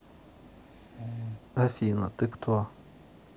афина ты кто